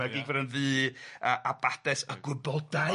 ...mae'n di bod yn ddu a abades a gwybodau